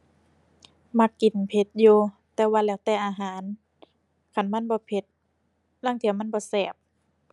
มักกินเผ็ดอยู่แต่ว่าแล้วแต่อาหาร คันมันบ่เผ็ดลางเทื่อมันบ่แซ่บ